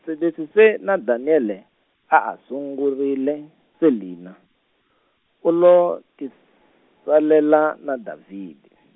se leswi se na Daniel, a a sungurile Selinah, u lo tisalela, na David.